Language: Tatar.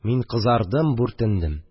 Мин кызардым, бүртендем